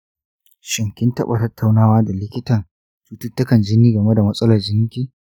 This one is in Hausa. shin kin taɓa tattaunawa da likitan cututtukan jini game da matsalar jininki?